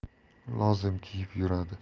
lozim kiyib yuradi